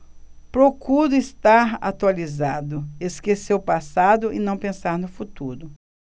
procuro estar atualizado esquecer o passado e não pensar no futuro